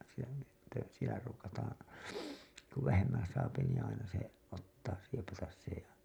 siellä sitten siellä ruukataan kun vähemmän saa niin aina se ottaa siepata se ja